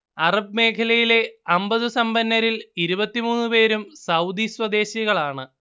Arab മേഖലയിലെ അമ്പത് സമ്പന്നരിൽ ഇരുപത്തിമൂന്നു പേരും സൗദി സ്വദേശികളാണ്